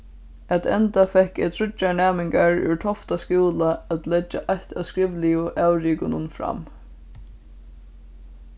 at enda fekk eg tríggjar næmingar úr tofta skúla at leggja eitt av skrivligu avrikunum fram